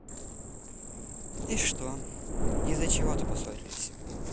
и что из за чего то поссорились